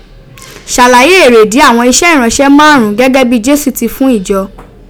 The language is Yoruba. salaye eredi awon ise iranse maraarun un gege bi Jesu ti fun Ijo.